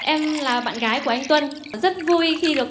em là bạn gái của anh tuân rất vui khi được